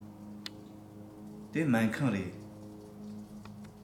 དེ སྨན ཁང རེད